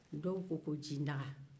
dow ko ko jidaga